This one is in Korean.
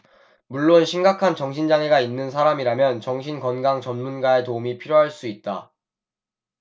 물론 심각한 정신 장애가 있는 사람이라면 정신 건강 전문가의 도움이 필요할 수 있다